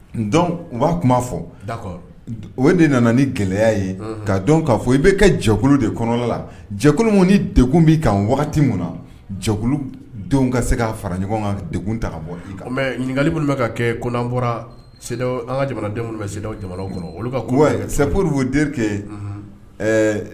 Don u b'a kuma fɔ o de nana ni gɛlɛya ye ka dɔn' fɔ i bɛ kɛ jɛkolon de kɔnɔ la jɛkolon ni dekun bɛ ka min na jɛkulu denw ka se ka fara ɲɔgɔn kan de ta bɔ ɲininkakali minnu bɛ ka kɛ ko bɔra an ka jamanadenw bɛ senw kɔnɔ olu seke